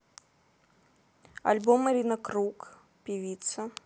альбом ирина круг певица